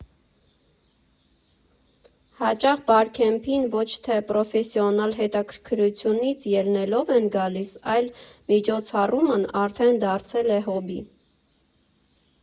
Հաճախ Բարքեմփին ոչ թե պրոֆեսիոնալ հետաքրքրությունից ելնելով են գալիս, այլ միջոցառումն արդեն դարձել է հոբբի։